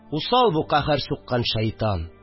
Усал бу каһәр суккан шәйтан